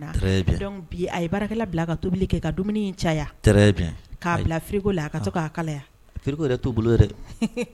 Très bien A ye baarakɛla bila bi ka dumuni in caya Très bien k'a bila frigo la ka to k'a kalaya. Frigo yɛrɛ t'u bolo yɛrɛ.